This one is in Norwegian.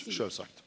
sjølvsagt.